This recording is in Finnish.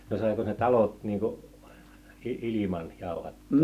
no saiko ne talot niin kuin - ilman jauhattaa